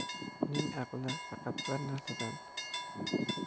uning aqli faqat bir narsadan